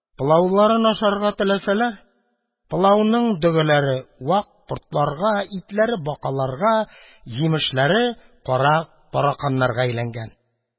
Пылауларын ашарга теләсәләр, пылауның дөгеләре — вак кортларга, итләре — бакаларга, җимешләре кара тараканнарга әйләнгән.